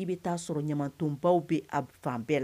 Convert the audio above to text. N bɛ taa sɔrɔ ɲamamanto baw bɛ a fan bɛɛ la